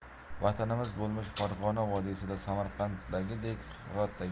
vatanimiz bo'lmish farg'ona vodiysida samarqanddagidek